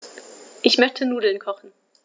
Ich möchte Nudeln kochen.